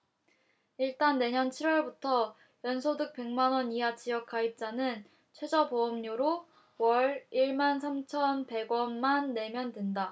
일단 내년 칠 월부터 연소득 백 만원 이하 지역가입자는 최저보험료로 월 일 만 삼천 백 원만 내면 된다